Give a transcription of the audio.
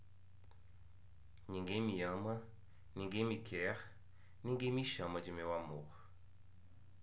ninguém me ama ninguém me quer ninguém me chama de meu amor